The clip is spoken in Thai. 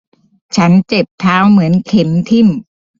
ฉันเจ็บเท้าเหมือนเข็มทิ่ม